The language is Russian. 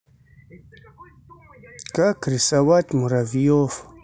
как рисовать муравьев